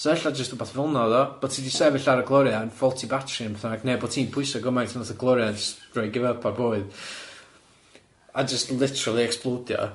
So ella jyst wbath fel 'na o'dd o, bot hi 'di sefyll ar y glorian, faulty batri yn fatha ac neu bot hi'n pwyso gymaint nath y glorian s- roi give up ar bywyd, a jyst literally ecsblowdio.